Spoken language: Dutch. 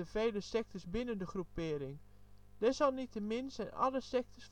vele sektes binnen de groepering. Desalniettemenin zijn alle sektes